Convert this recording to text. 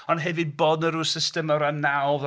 Ond hefyd bod 'na ryw system o ran nawdd